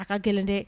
A ka gɛlɛn dɛ